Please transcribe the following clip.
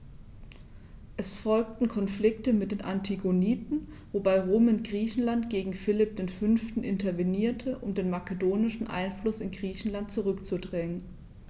Es folgten Konflikte mit den Antigoniden, wobei Rom in Griechenland gegen Philipp V. intervenierte, um den makedonischen Einfluss in Griechenland zurückzudrängen.